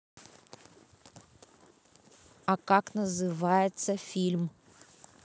а как называется фильм